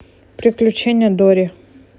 приключения дори